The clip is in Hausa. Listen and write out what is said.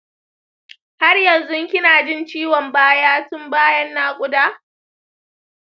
har yanzu kina jin ciwon baya tun bayan nakuda?